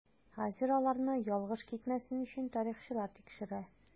Хәзер аларны ялгыш китмәсен өчен тарихчылар тикшерә.